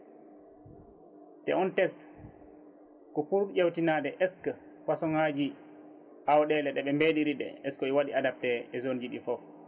te on test ko pour ƴewtinade est ce que façon ŋaji awɗele ɗeɓe mberiri ɗe est ce que koko waɗi adapté e zone uji ɗi foof